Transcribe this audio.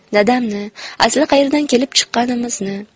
dadamni asli qayerdan kelib chiqqanimizni